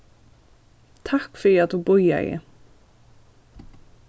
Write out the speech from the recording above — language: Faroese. takk fyri at tú bíðaði